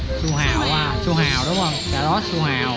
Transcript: su hào đúng hôn đúng rồi su hào